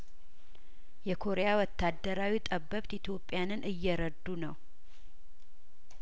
የኮሪያወታደራዊ ጠበብት ኢትዮጵያንን እየረዱ ነው